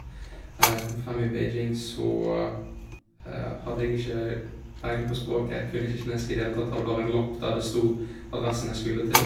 Kom frem i Beijing, så hadde jeg ikke peiling på språket, kunne ikke kinesisk i det hele tatt, hadde bare en lapp der det stod adressen jeg skulle til.